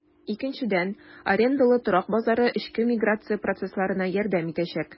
Икенчедән, арендалы торак базары эчке миграция процессларына ярдәм итәчәк.